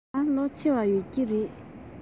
ང ལོ ཆེ བ ཡོད ཀྱི རེད